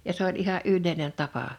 ja se oli ihan yleinen tapa